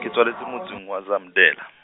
ke tswaletswe motseng wa Zamdela.